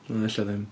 Mm, ella ddim.